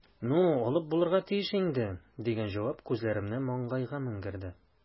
"ну, алып булырга тиеш инде", – дигән җавап күзләремне маңгайга менгерде.